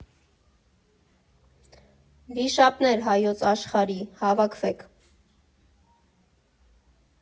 Վիշապներ Հայոց աշխարհի, հավաքվե՛ք։